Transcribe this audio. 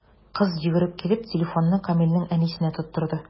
Кыз, йөгереп килеп, телефонны Камилнең әнисенә тоттырды.